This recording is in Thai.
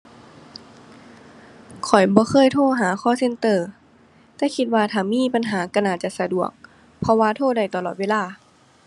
ข้อยบ่เคยโทรหา call center แต่คิดว่าถ้ามีปัญหาก็น่าจะสะดวก เพราะว่าโทรได้ตลอดเวลา